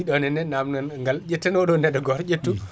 moƴƴi ɗon henna namdal ngal ƴetten oɗo nedɗo goto ƴettu